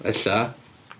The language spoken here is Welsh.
Ella.